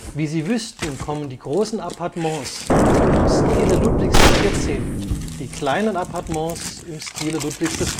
Wie Sie wüßten, kommen die großen Appartements im Style Ludwigs XIV, die kleinen Appartements im Style Ludwigs